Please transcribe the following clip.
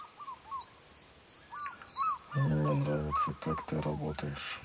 мне не нравится как ты работаешь